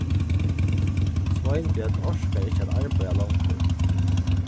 sveinbjørn orkar ikki at arbeiða longur